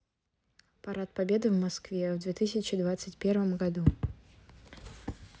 парад победы в москве в две тысячи двадцать первом году